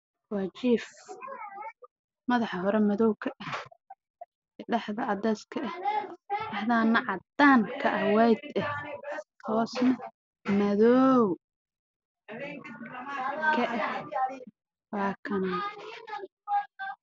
Waa sariir waxaa saaran go'a midabkiisii yahay caddaan madow